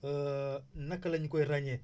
naka la ñu koy ràññee